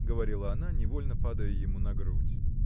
— говорила она, невольно падая ему на грудь.